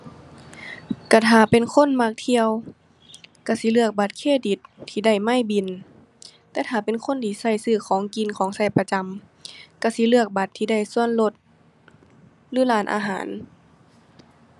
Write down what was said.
ก็ถ้าเป็นคนมักเที่ยว ก็สิเลือกบัตรเครดิตที่ได้ไมล์บิน แต่ถ้าเป็นคนที่ก็ซื้อของกินของก็ประจำ ก็สิเลือกบัตรที่ได้ส่วนลดหรือร้านอาหาร